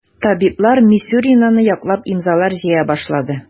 Табиблар Мисюринаны яклап имзалар җыя башлады.